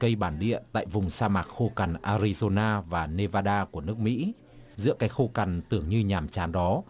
cây bản địa tại vùng sa mạc khô cằn a ri dô na và nê va đa của nước mỹ giữa cái khô cằn tưởng như nhàm chán đó